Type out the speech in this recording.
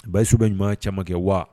Basisiw bɛ ɲuman ca kɛ wa